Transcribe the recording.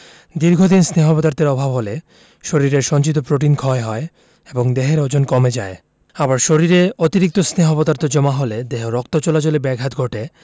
দীর্ঘদিন স্নেহ পদার্থের অভাব হলে শরীরের সঞ্চিত প্রোটিন ক্ষয় হয় এবং দেহের ওজন কমে যায় আবার শরীরে অতিরিক্ত স্নেহ পদার্থ জমা হলে দেহে রক্ত চলাচলে ব্যাঘাত ঘটে